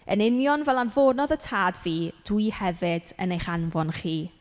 Yn union fel anfonodd y tad fi, dwi hefyd yn eich anfon chi.